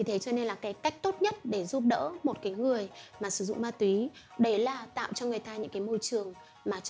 vì thế cho nên cách tốt nhất để giúp đỡ một người sử dụng ma túy là tạo cho người ta những cái môi trường